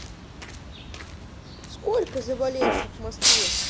сколько заболевших в москве